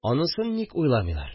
Анысын ник уйламыйлар